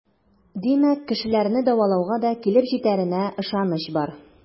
Димәк, кешеләрне дәвалауга да килеп җитәренә ышаныч бар.